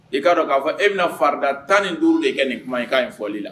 I k'a dɔn k'a fɔ e bɛna na farida tan ni duuru de kɛ nin kuma in ka nin fɔli la